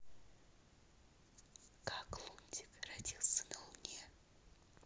как лунтик родился на луне